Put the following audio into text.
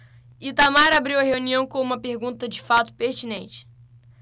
itamar abriu a reunião com uma pergunta de fato pertinente